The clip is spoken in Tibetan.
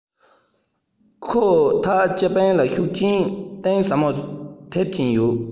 ཁོ ཐག པེ ཅིང ལ ཤུགས རྐྱེན གཏིང ཟབ མོ ཐེབས ཀྱིན ཡོད